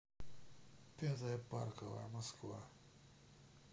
пятая парковая москва